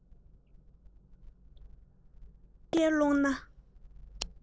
རྟོག འཆལ ཀློང ན